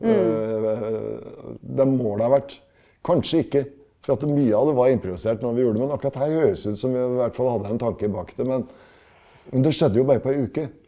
det må det ha vært kanskje ikke for at mye av det var improvisert når vi gjorde det, men akkurat her høres ut som vi i hvert fall hadde en tanke bak det, men men det skjedde jo bare på ei uke.